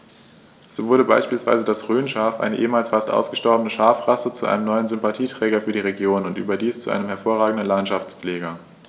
So wurde beispielsweise das Rhönschaf, eine ehemals fast ausgestorbene Schafrasse, zu einem neuen Sympathieträger für die Region – und überdies zu einem hervorragenden Landschaftspfleger.